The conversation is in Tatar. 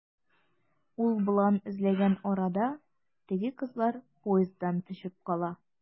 Ул болан эзләгән арада, теге кызлар поезддан төшеп кала.